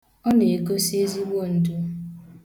Ọ na-egosi ezigbo ndu.